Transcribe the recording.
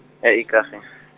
ya Ikageng.